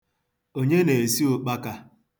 Onye na-esi ụkpaka?